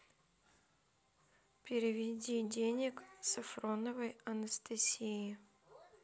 переведи денег сафроновой анастасии